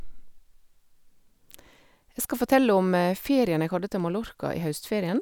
Jeg skal fortelle om ferien jeg hadde til Mallorca i høstferien.